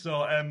So yym.